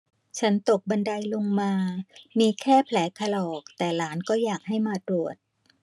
ฉันตกบันไดลงมามีแค่แผลถลอกแต่หลานก็อยากให้มาตรวจ